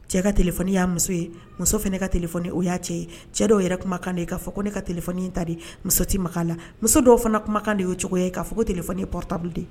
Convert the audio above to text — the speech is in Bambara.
Cɛ ka tilei y' muso ye muso fana ne ka t o y'a cɛ ye cɛ dɔw yɛrɛ kumakan kan de ye ka fɔ ne ka t ta de musoti ma la muso dɔw fana kumakan kan de y' cogo ye kaa fɔ ka tilefɔ ye patabu de